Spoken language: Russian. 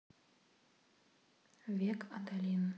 век адалин